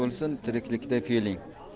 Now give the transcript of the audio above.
bo'lsin tiriklikda fe'ling